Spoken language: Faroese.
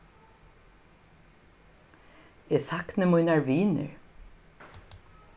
eg sakni mínar vinir